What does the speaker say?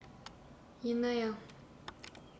ཡིན ན ཡང